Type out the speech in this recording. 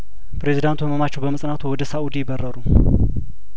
ፕሬዝዳንቱ ህመማቸው በመጽናቱ ወደ ሳኡዲ በረሩ